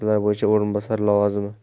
masalalari bo'yicha o'rinbosari lavozimi